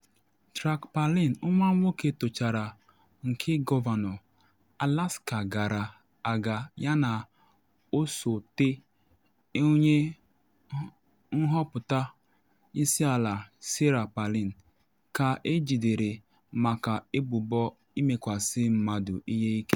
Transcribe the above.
Track Palin, nwa nwoke tọchara nke gọvanọ Alaska gara aga yana osote onye nhọpụta isi ala Sarah Palin, ka ejidere maka ebubo ịmekwasị mmadụ ihe ike.